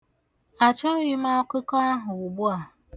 Achọghị m akụkọ ahụ ugbu a.